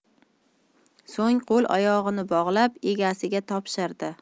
so'ng qo'l oyog'ini bog'lab egasiga topshirdi